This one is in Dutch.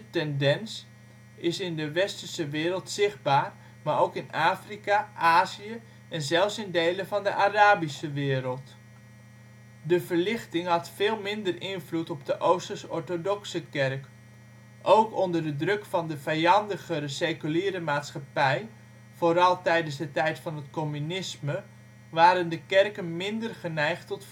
tendens is in de westerse wereld zichtbaar, maar ook in Afrika, Azie en zelfs in delen van de Arabische wereld. De verlichting had veel minder invloed op de Oosters-orthodoxe Kerken. Onder de druk van de " vijandigere " seculiere maatschappij, vooral tijdens de tijd van het communisme, waren de kerken minder geneigd